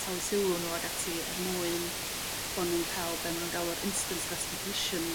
talu sylw nhw ag ati er mwyn bo' nhw'n ca'l be' ma' nhw'n galw'r instant gratification.